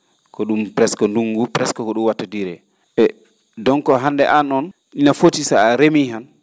ko ?um presque ndunngu presque ko ?um watta duré e donc hannde aan oon ina foti so a remii han